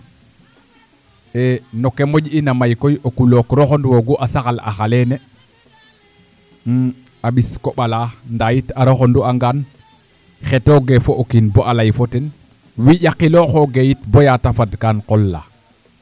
e noke moƴna ina may koy o kulooq roxonwoogu a saxaal ax aleene a ɓis koɓ alaa ndaa yit a roxandu'angaan xetoogee fo' o kiin boo a lay fo ten wiƴakilooxoogee yit baya te fad ka qol la